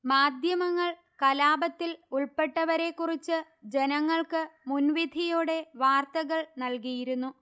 മാധ്യമങ്ങൾ കലാപത്തിൽ ഉൾപ്പെട്ടവരെക്കുറിച്ച് ജനങ്ങൾക്ക് മുൻവിധിയോടെ വാർത്തകൾ നൽകിയിരുന്നു